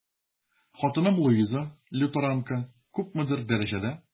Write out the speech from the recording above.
Хатыным Луиза, лютеранка, күпмедер дәрәҗәдә...